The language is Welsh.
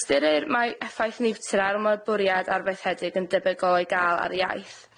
Ystyrir mai effaith niwtral ma'r bwriad arfaethedig yn debygol o'i gal ar iaith.